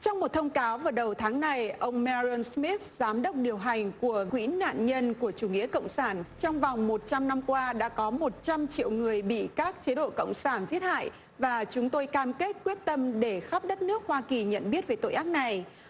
trong một thông cáo vào đầu tháng này ông me rưn sờ mít giám đốc điều hành của quỹ nạn nhân của chủ nghĩa cộng sản trong vòng một trăm năm qua đã có một trăm triệu người bị các chế độ cộng sản giết hại và chúng tôi cam kết quyết tâm để khắp đất nước hoa kỳ nhận biết về tội ác này